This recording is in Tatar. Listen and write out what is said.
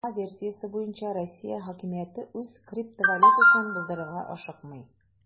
Басма версиясе буенча, Россия хакимияте үз криптовалютасын булдырырга ашыкмый.